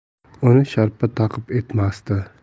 uni sharpa taqib etmasdi